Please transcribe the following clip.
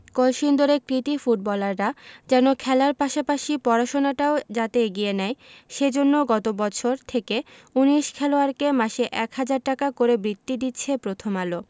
কলসিন্দুরের কৃতী ফুটবলাররা যেন খেলার পাশাপাশি পড়াশোনাটাও যাতে এগিয়ে নেয় সে জন্য গত বছর থেকে ১৯ খেলোয়াড়কে মাসে ১ হাজার টাকা করে বৃত্তি দিচ্ছে প্রথম আলো